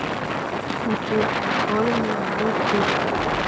ютуб тролли мировой тур